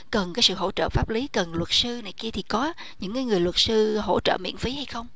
cần cái sự hỗ trợ pháp lý cần luật sư này kia thì có những cái người luật sư hỗ trợ miễn phí hay không